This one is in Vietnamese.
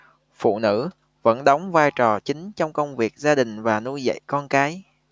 phụ nữ vẫn đóng vai trò chính trong công việc gia đình và nuôi dạy con cái